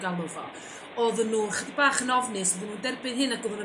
galw fo o'dda n'w 'chydig bach yn ofnus o'dda n'w'n derbyn hyn ag o'dda n'w'n